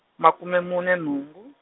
makume mune nhungu.